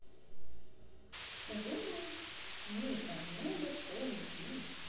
у дома мы так много в школе учились